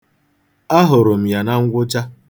Ahụrụ m ya na ngwụcha.